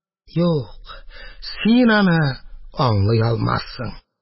Юк! Син аны аңлый алмассың